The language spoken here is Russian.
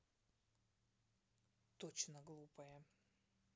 точно глупая